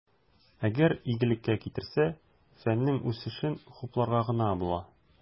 Әгәр игелеккә китерсә, фәннең үсешен хупларга гына була.